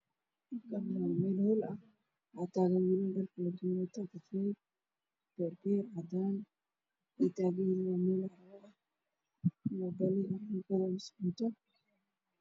Halkaan waa meel maqaayad ah waxaana ka muuqdo rag badan oo taagan waxaan hortooda ahaaday miis ay gudaha ku jiraan rag shaqo hayo